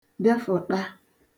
defụ̀ṭa